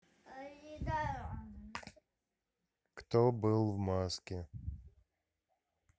кто был в маске